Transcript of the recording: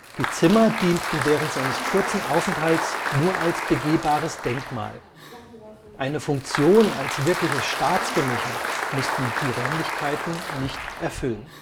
Die Zimmer dienten während seines kurzen Aufenthalts nur als begehbares Denkmal, eine Funktion als wirkliche Staatsgemächer mussten die Räumlichkeiten nicht erfüllen